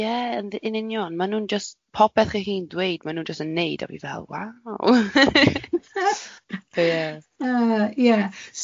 Ie ynd yn union maen nhw'n jyst popeth chi'n dweud maen nhw jyst yn wneud a fi fel waw. Ie. Yy ie.